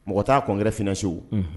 Mɔgɔ t taa kɔn nkɛ fsiw